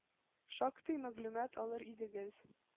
Шактый мәгълүмат алыр идегез.